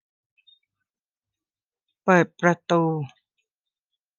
เปิดประตู